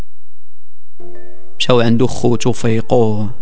شو عنده اخو توفيق